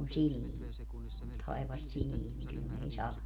noin sileä taivas sileä niin kyllä ne ei sada